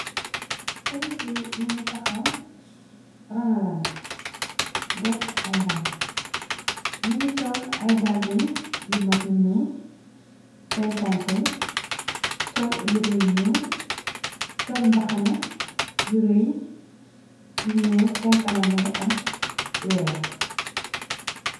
Polis yi ñu nga taxaw ragalanté def ay rang ñing ngi sol ay dàlla yu mak yi ñuul sèèn tanka yi sol yireh yu ñuul sol mbaxana yu ray yu ñuul sèèn kanam mangi am wèèr.